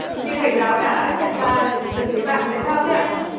như thầy giáo đã nhận ra từ phía bạn tại sao thế ạ